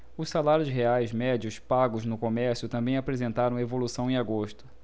os salários reais médios pagos no comércio também apresentaram evolução em agosto